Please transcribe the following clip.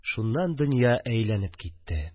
Шуннан дөнья әйләнеп китте